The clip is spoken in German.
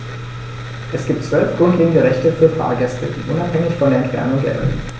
Es gibt 12 grundlegende Rechte für Fahrgäste, die unabhängig von der Entfernung gelten.